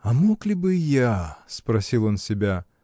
“А мог ли бы я?” — спросил он себя.